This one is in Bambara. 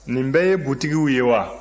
nin bɛɛ ye butikiw ye wa